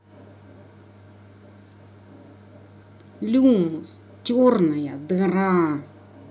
люмус черная дыра